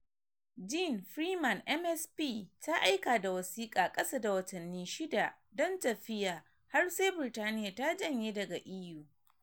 Jeane Freeman MSP ta aika da wasika kasa da watanni shida don tafiya har sai Birtaniya ta janye daga EU.